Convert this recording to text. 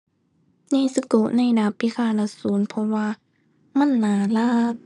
เนซึโกะในดาบพิฆาตอสูร เพราะว่ามันน่ารัก